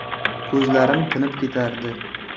ko'zlarim tinib ketardi